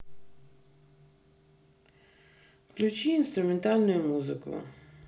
включи инструментальную музыку